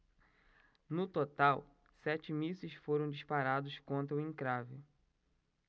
no total sete mísseis foram disparados contra o encrave